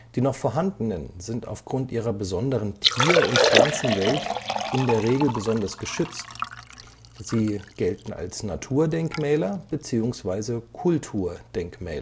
Die noch vorhandenen sind aufgrund ihrer besonderen Tier - und Pflanzenwelt in der Regel besonders geschützt, sie gelten als Naturdenkmäler (Feldhülen) bzw. Kulturdenkmäler